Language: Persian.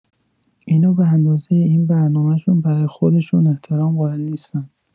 اینا به‌اندازه این برنامشون برا خودشون احترام قائل نیستن